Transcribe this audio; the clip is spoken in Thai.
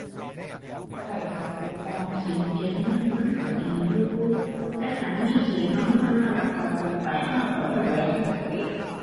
ใช้กระปุกออมสินเก็บเงินมันก็ดีอยู่ แต่ถ้ามีขี้ขโมยมาลักกระปุกไปใช้ใช้บ่เหลืออิหยังเดะ